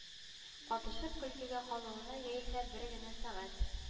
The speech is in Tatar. Катышып көлкегә калуына яисә бер генә сәгать